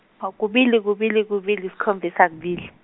a kubili kubili kubili yisikhombisa kubili.